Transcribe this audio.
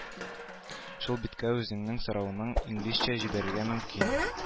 Шул биткә үзеңнең соравыңны инглизчә җибәрергә мөмкин